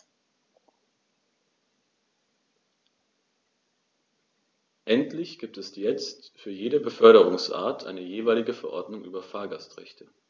Endlich gibt es jetzt für jede Beförderungsart eine jeweilige Verordnung über Fahrgastrechte.